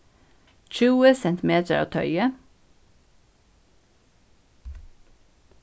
tjúgu sentimetrar av toyi